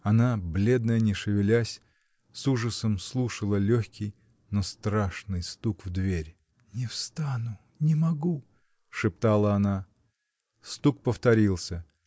Она, бледная, не шевелясь, с ужасом слушала легкий, но страшный стук в дверь. — Не встану — не могу. — шептала она. Стук повторился.